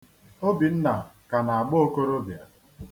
Obinna ka na-agba okorobia.